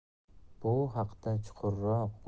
bu haqda chuqurroq